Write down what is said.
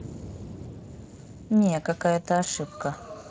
не какая то ошибка